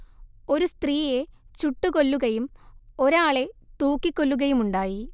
ഒരു സ്ത്രീയെ ചുട്ടുകൊല്ലുകയും ഒരാളെ തൂക്കിക്കൊല്ലുകയുമുണ്ടായി